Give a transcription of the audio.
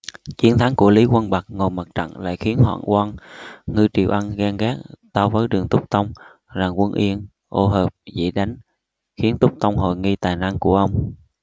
chiến thắng của lý quang bật ngoài mặt trận lại khiến hoạn quan ngư triều ân ghen ghét tâu với đường túc tông rằng quân yên ô hợp dễ đánh khiến túc tông hoài nghi tài năng của ông